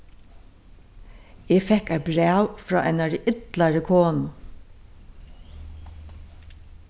eg fekk eitt bræv frá einari illari konu